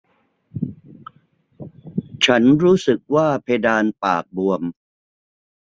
ฉันรู้สึกว่าเพดานปากบวม